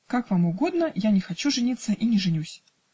-- Как вам угодно, я не хочу жениться и не женюсь.